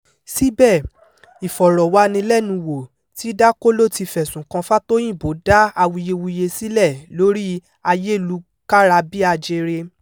Síbẹ̀, ìfọ̀rọ̀wánilẹ́nuwò tí Dakolo ti fẹ̀sùn kan Fátóyìnbó dá awuyewuye sílẹ̀ lórí ayélukára bí ajere.